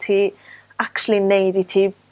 ti actually neud i ti